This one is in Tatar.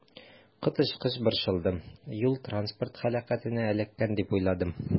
Коточкыч борчылдым, юл-транспорт һәлакәтенә эләккән дип уйладым.